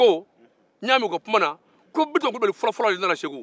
dɔww ko bitɔn kulubali fɔlɔ nana segu